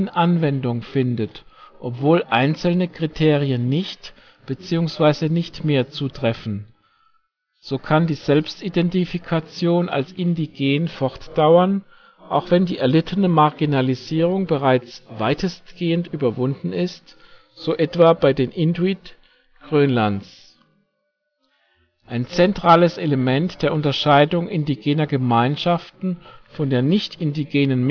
Anwendung findet, obwohl einzelne Kriterien nicht bzw. nicht mehr zutreffen. So kann die Selbstidentifikation als " indigen " fortdauern, auch wenn die erlittene Marginalisierung bereits (weitestgehend) überwunden ist, so etwa bei den Inuit Grönlands. Ein zentrales Element der Unterscheidung indigener Gemeinschaften von der nicht-indigenen